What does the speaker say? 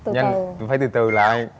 vâng phải từ từ lại